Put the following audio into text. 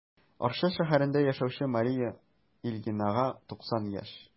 Арча шәһәрендә яшәүче Мария Ильинага 90 яшь.